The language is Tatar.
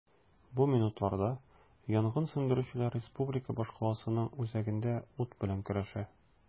Бу минутларда янгын сүндерүчеләр республика башкаласының үзәгендә ут белән көрәшә.